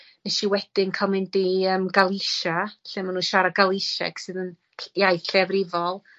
nesh i wedyn ca'l mynd i yym Gaelicia lle ma' nw'n siarad Galisheg sydd yn ll- iaith lleiafrifol,